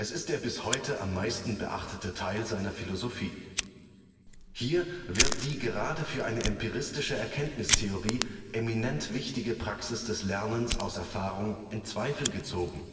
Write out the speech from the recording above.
ist der bis heute am meisten beachtete Teil seiner Philosophie. Hier wird die gerade für eine empiristische Erkenntnistheorie eminent wichtige Praxis des Lernens aus Erfahrung in Zweifel gezogen